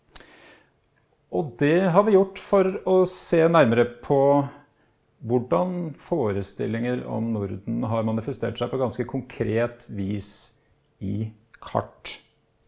og det har vi gjort for å se nærmere på hvordan forestillinger om Norden har manifestert seg på ganske konkret vis i kart.